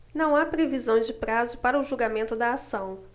não há previsão de prazo para o julgamento da ação